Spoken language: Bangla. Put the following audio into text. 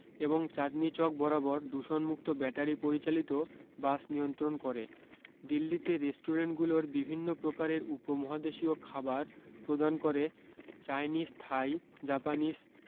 এবং চাদনী চক বরাবর দূষণ মুক্ত ব্যাটারী পরিচালিত বাস নিয়ন্ত্রণ করে দিল্লীতে রেস্টুরেন্টগুলো বিভিন্ন প্রকারের উপমহাদেশীয় খাবার প্রদান করে চাইনীজ থাই জাপানীজ